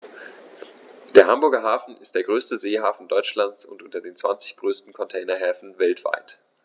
Der Hamburger Hafen ist der größte Seehafen Deutschlands und unter den zwanzig größten Containerhäfen weltweit.